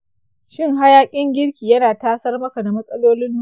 shin hayakin girki yana tasar maka da matsalolin numfashi?